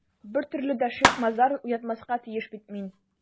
Бер төрле дә шик-мазар уятмаска тиеш бит мин...